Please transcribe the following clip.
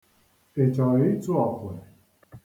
Ị chọrọ ịtụ okwe?